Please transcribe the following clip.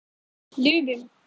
любим